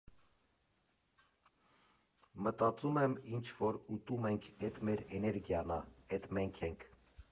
Մտածում եմ՝ ինչ որ ուտում ենք, էդ մեր էներգիան ա, էդ մենք ենք։